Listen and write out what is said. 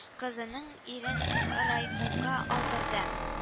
Кызының ирен райкомга алдырды